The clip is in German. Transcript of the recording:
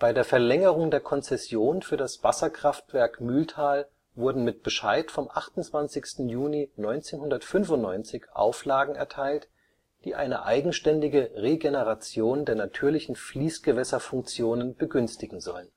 der Verlängerung der Konzession für das Wasserkraftwerk Mühltal wurden mit Bescheid vom 28. Juni 1995 Auflagen erteilt, die eine eigenständige Regeneration der natürlichen Fließgewässerfunktionen begünstigen sollen